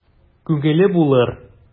Күңеле булыр...